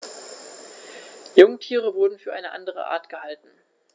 Jungtiere wurden für eine andere Art gehalten.